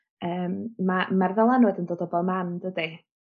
yym ma' ma'r ddylanwad yn dod o bo' man dydi?